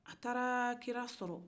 a taara kira sɔrɔ